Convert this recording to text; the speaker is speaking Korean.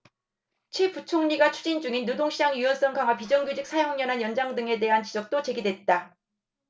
최 부총리가 추진 중인 노동시장 유연성 강화 비정규직 사용연한 연장 등에 대한 지적도 제기됐다